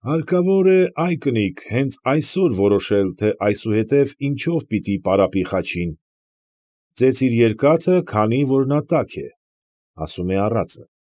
Հարկավոր է, ա՛յ կնիկ, հենց այսօր որոշել, թե այսուհետև ինչով պիտի պարապի Խաչին։ «Ծեծիր երկաթը, քանի որ նա տաք է», ֊ ասում է առածը։